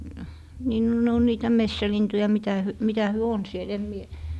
niin no ne on niitä metsälintuja mitä - mitä he on siellä en minä